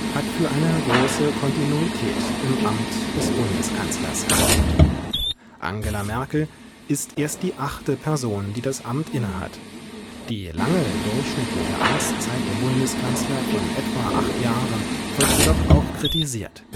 hat für eine große Kontinuität im Amt des Bundeskanzlers gesorgt: Angela Merkel ist erst die achte Person, die das Amt innehat. Die lange durchschnittliche Amtszeit der Bundeskanzler von etwa acht Jahren wird jedoch auch kritisiert